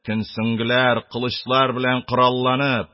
Үткен сөңгеләр, кылычлар белән коралланып,